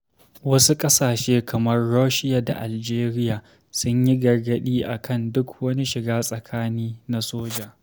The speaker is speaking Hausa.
Wasu ƙasashe kamar Russia da Algeria sun yi gargaɗi a kan duk wani shiga tsakani na soja.